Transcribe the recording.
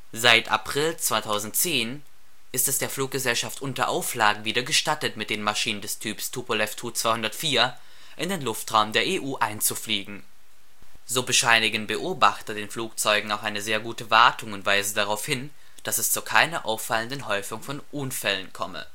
Seit April 2010 ist es der Fluggesellschaft unter Auflagen wieder gestattet, mit den Maschinen des Typs Tupolew Tu-204 in den Luftraum der EU einzufliegen. So bescheinigen Beobachter den Flugzeugen auch eine sehr gute Wartung und weisen darauf hin, dass es zu keiner auffallenden Häufung von Unfällen komme